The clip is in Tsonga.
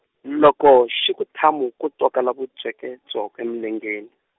loko xi ku thamu ko twakala vutsweke tswoke milengeni.